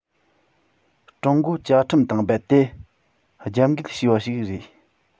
ཀྲུང གོའི བཅའ ཁྲིམས དང རྦད དེ རྒྱབ འགལ བྱས པ ཞིག རེད